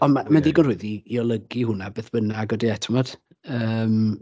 Ond ma' ma'n ddigon rwydd i olygu hwnna beth bynnag odi e, timod ymm...